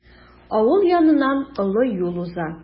Авыл яныннан олы юл уза.